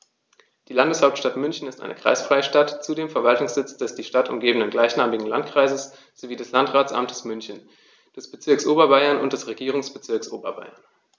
Die Landeshauptstadt München ist eine kreisfreie Stadt, zudem Verwaltungssitz des die Stadt umgebenden gleichnamigen Landkreises sowie des Landratsamtes München, des Bezirks Oberbayern und des Regierungsbezirks Oberbayern.